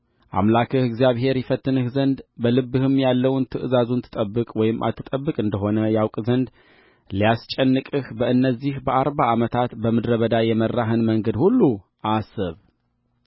አምላክህ እግዚአብሔር ይፈትንህ ዘንድ በልብህም ያለውን ትእዛዙን ትጠብቅ ወይም አትጠብቅ እንደሆነ ያውቅ ዘንድ ሊያስጨንቅህ በእነዚህ በአርባ ዓመታት በምድረ በዳ የመራህን መንገድ ሁሉ አስብ